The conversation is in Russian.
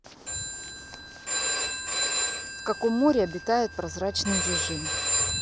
в каком море обитает прозрачный режим